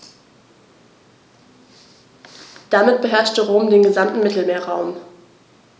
Damit beherrschte Rom den gesamten Mittelmeerraum.